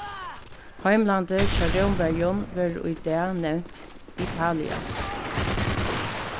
heimlandið hjá rómverjum verður í dag nevnt italia